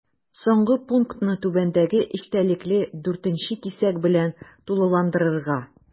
Соңгы пунктны түбәндәге эчтәлекле 4 нче кисәк белән тулыландырырга.